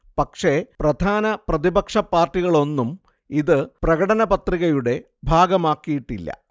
പക്ഷേ പ്രധാന പ്രതിപക്ഷ പാർട്ടികളൊന്നും ഇത് പ്രകടനപത്രികയുടെ ഭാഗമാക്കിയിട്ടില്ല